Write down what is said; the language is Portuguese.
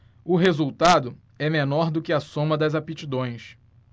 o resultado é menor do que a soma das aptidões